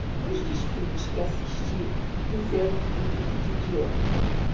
nos desfiles que assisti fizeram o público de idiota